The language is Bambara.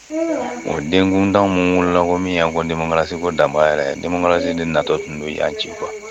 O denkuntan minnu wolobɔ min yansi ko danba yɛrɛ densi de natɔ tun don yan ci kuwa